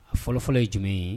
A fɔlɔfɔlɔ ye jumɛn ye